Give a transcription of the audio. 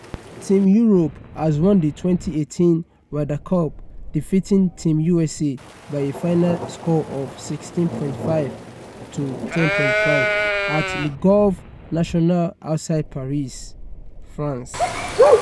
Team Europe has won the 2018 Ryder Cup defeating Team USA by a final score of 16.5 to 10.5 at Le Golf National outside Paris, France.